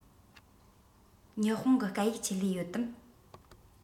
ཉི ཧོང གི སྐད ཡིག ཆེད ལས ཡོད དམ